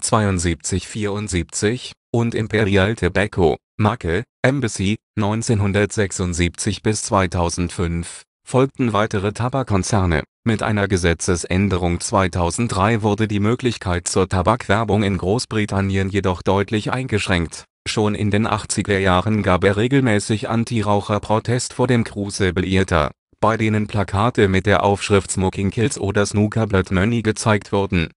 1972 – 74) und Imperial Tobacco (Marke: Embassy, 1976 – 2005) folgten weitere Tabak-Konzerne. Mit einer Gesetzesänderung 2003 wurde die Möglichkeit zur Tabak-Werbung in Großbritannien jedoch deutlich eingeschränkt. Schon in den 80er-Jahren gab es regelmäßig Antiraucher-Proteste vor dem Crucible Theater, bei denen Plakate mit der Aufschrift „ Smoking Kills “oder „ Snooker Blood Money “gezeigt wurden